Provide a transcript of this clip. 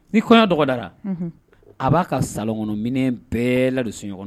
Ni kɔɲɔ dɔgɔdara a b'a ka salon kɔnɔmin bɛɛ ladon sunɔgɔ